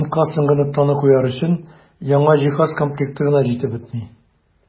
Ремонтка соңгы ноктаны куяр өчен яңа җиһаз комплекты гына җитеп бетми.